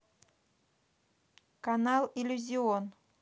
канал иллюзион